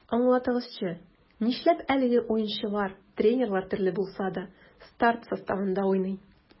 Аңлатыгызчы, нишләп әлеге уенчылар, тренерлар төрле булса да, старт составында уйный?